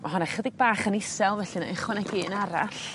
Ma' honna chydig bach yn isel felly nai ychwanegu un arall.